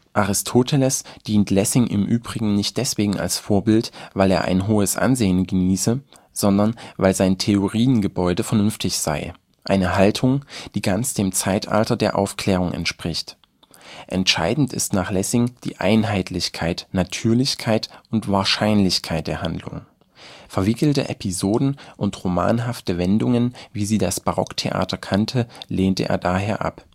Aristoteles dient ihm im Übrigen nicht deswegen als Vorbild, weil er ein hohes Ansehen genieße, sondern weil sein Theoriengebäude vernünftig sei; eine Haltung, die ganz dem Zeitalter der Aufklärung entspricht. Entscheidend ist nach Lessing die Einheitlichkeit, Natürlichkeit und Wahrscheinlichkeit der Handlung. Verwickelte Episoden und romanhafte Wendungen, wie sie das Barocktheater kannte, lehnte er daher ab